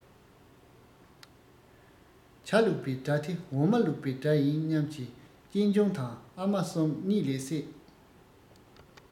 ཇ བླུག པའི སྒྲ དེ འོ མ བླུག པའི སྒྲ ཡིན ཉམས ཀྱིས གཅེན གཅུང དང ཨ མ གསུམ གཉིད ལས སད